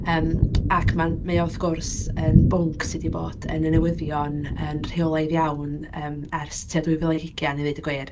Yym ac ma'n... mae o wrth gwrs, yn bwnc sy 'di bod yn y newyddion yn rheolaidd iawn yym ers tua 2020, i ddweud y gwir.